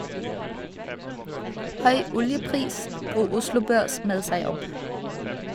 Høy oljepris dro Oslo Børs med seg opp.